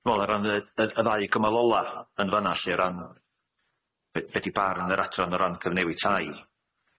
Dwi me'wl o ran y y y ddau gymal ola yn fan'na lly o ran be- be' di barn yr adran o ran cyfnewid tai?